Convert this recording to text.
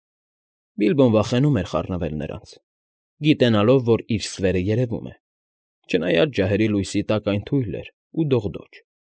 Բիլբոն վախենում էր խառնվել նրանց, գիտակցելով, որ իր ստվերը երևում է, չնայած ջահերի լույսի տակ այն թույլ էր ու դողդոջ։